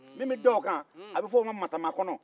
min be da o kan a be fɔ o ma masamakɔnɔ